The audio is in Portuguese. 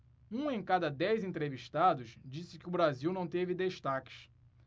um em cada dez entrevistados disse que o brasil não teve destaques